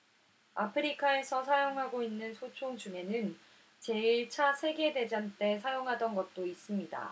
아프리카에서 사용하고 있는 소총 중에는 제 일 차 세계 대전 때 사용하던 것도 있습니다